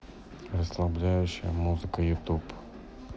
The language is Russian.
расслабляющая музыка ютуб